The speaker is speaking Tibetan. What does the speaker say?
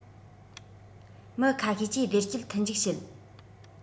མི ཁ ཤས གྱི བདེ སྐྱིད མཐུན འཇུག བྱེད